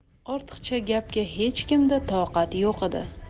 ortiqcha gapga hech kimda toqat yo'q edi